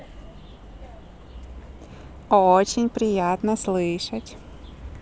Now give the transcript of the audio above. очень приятно слышать